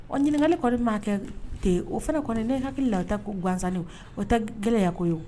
Wa ɲininkaka kɔni ma kɛ ten o fana kɔni ne hakili la o tɛ gansan o tɛ gɛlɛyayako ye